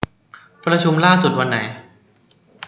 ประชุมล่าสุดวันไหน